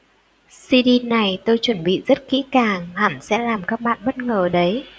cd này tôi chuẩn bị rất kỹ càng hẳn sẽ làm các bạn bất ngờ đấy